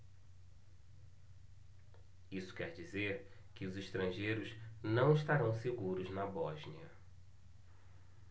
isso quer dizer que os estrangeiros não estarão seguros na bósnia